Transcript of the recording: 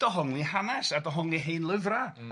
...dohongli hanes a dohongli heinlyfrau. M-hm.